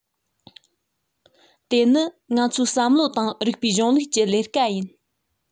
དེ ནི ང ཚོའི བསམ བློ དང རིགས པའི གཞུང ལུགས ཀྱི ལས ཀ ཡིན